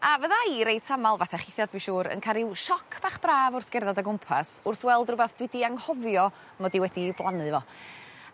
A fydda i reit amal fatha chithia dwi siŵr yn ca' ryw sioc bach braf wrth gerddad o gwmpas wrth weld rwbath dwi 'di anghofio mod i wedi'i blannu fo